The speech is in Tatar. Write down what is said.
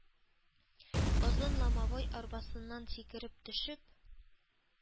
Озын ломовой арбасыннан сикереп төшеп,